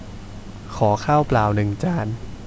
ขอข้าวเปล่าหนึ่งจาน